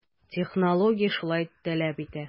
Технология шулай таләп итә.